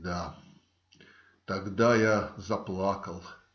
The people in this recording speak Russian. - Да, тогда я заплакал,